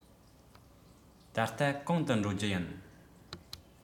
ད ལྟ གང དུ འགྲོ རྒྱུ ཡིན